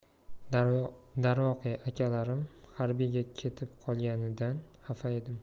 darvoqe akalarim harbiyga ketib qolganidan xafa edim